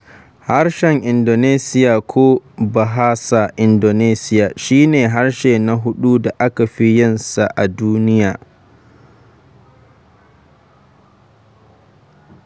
Harshen Indonesia ko Bahasa Indonesia shi ne harshe na huɗu da aka fi yin sa a duniya.